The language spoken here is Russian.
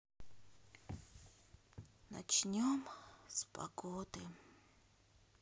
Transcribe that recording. начнем с погоды